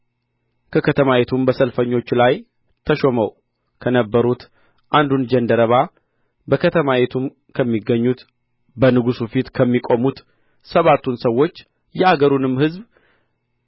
ከከተማይቱም በሰልፈኞች ላይ ተሾመው ከነበሩት አንዱን ጀንደረባ በከተማይቱም ከሚገኙት በንጉሡ ፊት ከሚቆሙት ሰባቱን ሰዎች የአገሩንም ሕዝብ